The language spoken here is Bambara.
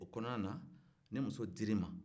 o kɔnɔna na nin muso dir'i ma